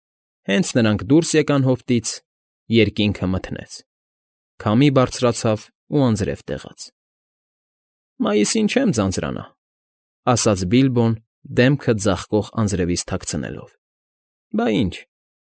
Հենց նրանք դուրս եկան հովտից, երկինքը մթնեց, քամի բարձրացավ ու անձրև տեղաց։ ֊ Մայիսին չեմ ձանձրանա,֊ ասաց Բիլբոն, դեմքը ձաղկող անձրևից թաքցնելով։֊ Բա ինչ,